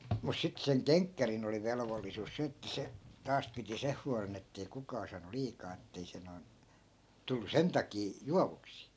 mutta sitten sen kenkkärin oli velvollisuus se että se taas piti sen huolen että ei kukaan saanut liikaa että ei se noin tullut sen takia juovuksiin